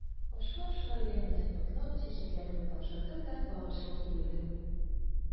Ашыга-ашыга бәйрәм белән котлап, чәчәкләремне тапшырдым да тагы чыгып йөгердем.